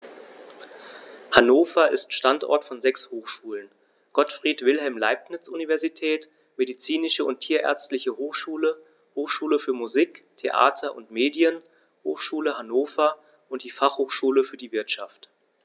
Hannover ist Standort von sechs Hochschulen: Gottfried Wilhelm Leibniz Universität, Medizinische und Tierärztliche Hochschule, Hochschule für Musik, Theater und Medien, Hochschule Hannover und die Fachhochschule für die Wirtschaft.